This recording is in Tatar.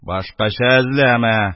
Башкача эзләмә,